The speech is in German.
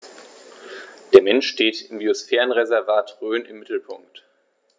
Der Mensch steht im Biosphärenreservat Rhön im Mittelpunkt.